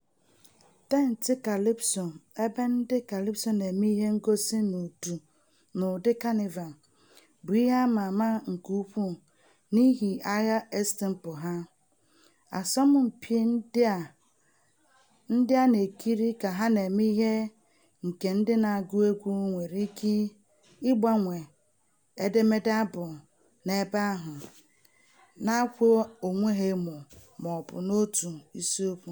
Tentị kalịpso, ebe ndị kalịpso na-eme ihe ngosi n'udu Kanịva, bụ ihe a ma ama nke ukwuu n'ihi "agha estempo" ha, asọmpị ndị a na-ekiri ka ha na-eme nke ndị na-agụ egwu nwere ike ịgbanwe edemede abụ n'ebe ahụ na-akwa onwe ha emo, ma ọ bụ n'otu isiokwu.